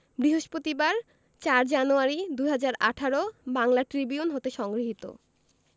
বৃহস্পতিবার ০৪ January ২০১৮ Bangla Tribune হতে সংগৃহীত